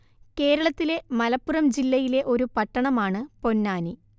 കേരളത്തിലെ മലപ്പുറം ജില്ലയിലെ ഒരു പട്ടണമാണ് പൊന്നാനി